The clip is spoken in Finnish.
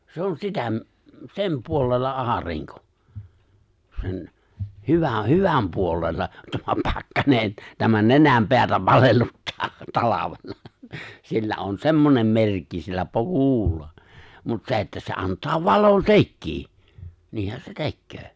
se on sitä - sen puolella aurinko sen - hyvän puolella tämä pakkanen tämä nenänpäätä palelluttaa talvella sillä on semmoinen merkki sillä - kuulla mutta se että se antaa valon sekin niinhän se tekee